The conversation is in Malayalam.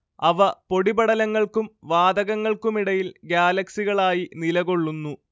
അവ പൊടിപടലങ്ങൾക്കും വാതകങ്ങൾക്കുമിടയിൽ ഗ്യാലക്സികളായി നിലകൊള്ളുന്നു